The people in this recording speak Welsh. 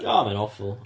O mae'n awful.